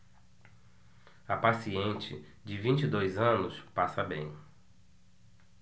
a paciente de vinte e dois anos passa bem